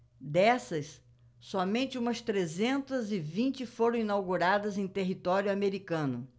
dessas somente umas trezentas e vinte foram inauguradas em território americano